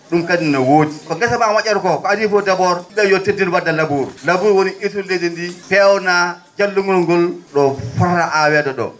?um kadi ne woodi ko ngesa mbaa mo??ata ko ko adi fof d' abord yim?e ?ee yo teddin wa?de laboure laboure woni ?ettude leydi ndi peewnaa jallungol ngol ?o fotaa aaweede ?oo